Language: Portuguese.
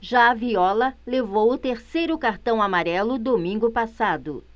já viola levou o terceiro cartão amarelo domingo passado